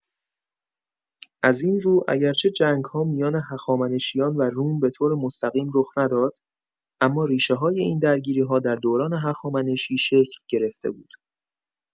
از این رو، اگرچه جنگ‌ها میان هخامنشیان و روم به‌طور مستقیم رخ نداد، اما ریشه‌های این درگیری‌ها در دوران هخامنشی شکل گرفته بود.